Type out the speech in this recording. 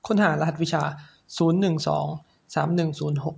ค้นหารหัสวิชาศูนย์หนึ่งสองสามหนึ่งศูนย์หก